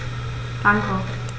Danke.